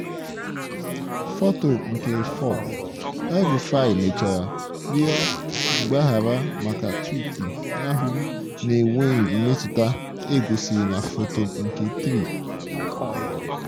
Foto nke 4: El-Rufai mechara rịọ mgbaghara maka twiiti ahụ "na-enweghị mmetụta" e gosiri na Foto nke 3.